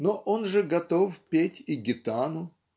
но он же готов петь и гитану: .